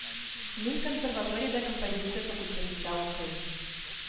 Мин косерваториядә композиция факультетында укыйм